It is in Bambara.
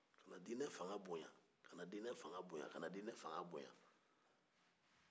ka dinɛ fanga boɲa ka na dinɛ fanga boɲa ka na dinɛ fanga boɲa